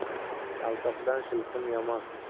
shaltoqdan shilqim yomon